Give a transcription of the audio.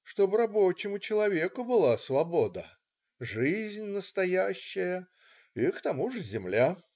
чтобы рабочему человеку была свобода, жизнь настоящая и к тому же земля.